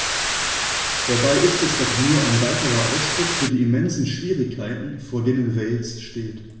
Dabei ist es doch nur ein weiterer Ausdruck für die immensen Schwierigkeiten, vor denen Wales steht.